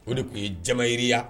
O de tun ye jamayiya